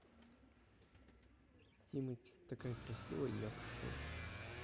тимати ты такая красивая я в шоке